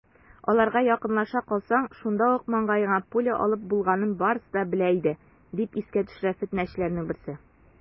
Аларга якынлаша калсаң, шунда ук маңгаеңа пуля алып булганын барысы да белә иде, - дип искә төшерә фетнәчеләрнең берсе.